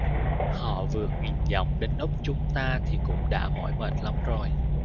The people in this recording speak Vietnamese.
họ vượt nghìn dặm đánh úp chúng ta thì cũng đã mỏi mệt lắm rồi